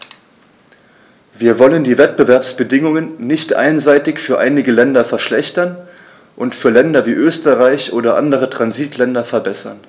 Wir wollen die Wettbewerbsbedingungen nicht einseitig für einige Länder verschlechtern und für Länder wie Österreich oder andere Transitländer verbessern.